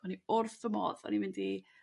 O'n i wrth fy modd, o'n mynd i